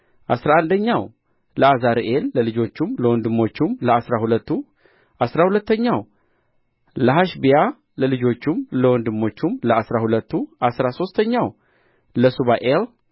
አሥራ አንደኛው ለዓዛርኤል ለልጆቹም ለወንድሞቹም ለአሥራ ሁለቱ አሥራ ሁለተኛው ለሐሸብያ ለልጆቹም ለወንድሞቹም ለአሥራ ሁለቱ አሥራ ሦስተኛው ለሱባኤል